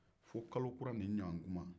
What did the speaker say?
fo kalo kura nin ɲwantuma